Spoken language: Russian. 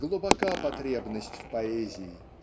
глубока потребность в поэзии